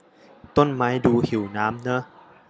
ต้นไม้ดูหิวน้ำเนอะ